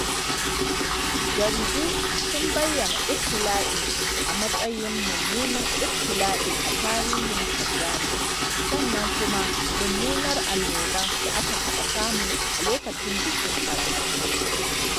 Jaridu sun bayyana ibtila'in a 'matsayin mummunan ibti'la'I a tarihin Tanzania' sannan kuma mummunar annobar da aka taɓa samu a lokacin bikin Ƙaramar Sallah''